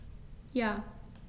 Ja.